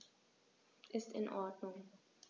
Ist in Ordnung.